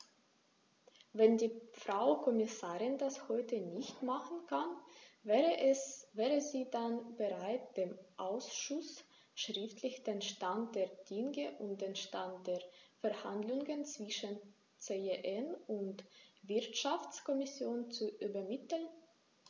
Wenn die Frau Kommissarin das heute nicht machen kann, wäre sie dann bereit, dem Ausschuss schriftlich den Stand der Dinge und den Stand der Verhandlungen zwischen CEN und Wirtschaftskommission zu übermitteln?